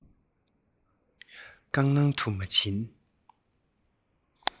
སྐྲག སྣང དུ མ བྱིན